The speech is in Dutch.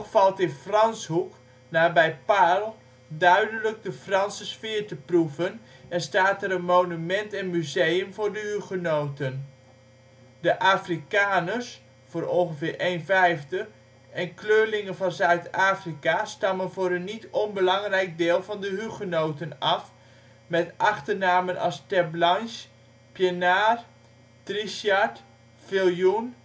valt in Franschhoek, nabij Paarl, duidelijk de Franse sfeer te proeven en staat er een monument en museum voor de hugenoten. De Afrikaners (voor ongeveer eenvijfde) en kleurlingen van Zuid-Afrika stammen voor een niet onbelangrijk deel van de hugenoten af, met achternamen als Terblanche, Pienaar, Trichardt, Viljoen